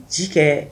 Ci kɛɛ